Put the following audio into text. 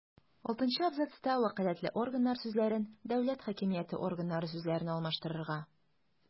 Алтынчы абзацта «вәкаләтле органнар» сүзләрен «дәүләт хакимияте органнары» сүзләренә алмаштырырга;